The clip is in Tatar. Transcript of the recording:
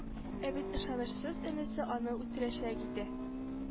Ә бит ышанычсыз энесе аны үтерәчәк иде